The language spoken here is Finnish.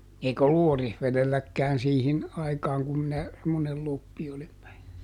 eikä ollut Orivedelläkään siihen aikaan kun minä semmoinen kloppi olin